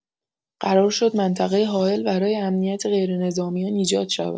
قرار شد منطقه حائل برای امنیت غیرنظامیان ایجاد شود.